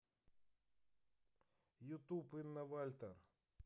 ютуб инна вальтер